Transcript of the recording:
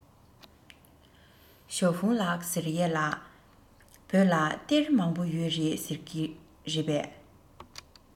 ཞའོ ཧྥུང ལགས ཟེར ཡས ལ བོད ལ གཏེར མང པོ ཡོད རེད ཟེར གྱིས རེད པས